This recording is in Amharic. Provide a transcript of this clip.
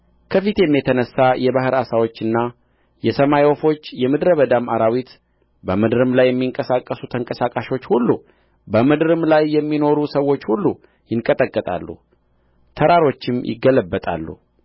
ከፊቴም የተነሣ የባሕር ዓሣዎችና የሰማይ ወፎች የምድረ በዳም አራዊት በምድርም ላይ የሚንቀሳቀሱ ተንቀሳቃሾች ሁሉ በምድርም ላይ የሚኖሩ ሰዎች ሁሉ ይንቀጠቀጣሉ ተራሮችም